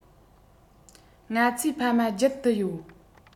ང ཚོས ཕ མ རྒྱུད དུ ཡོད